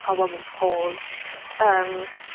pobol ddim pores, yym